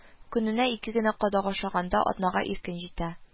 Көненә ике генә кадак ашаганда, атнага иркен җитә"